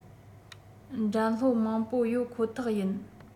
འགྲན སློང མང པོ ཡོད ཁོ ཐག ཡིན